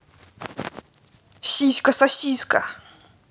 сиськи сосиска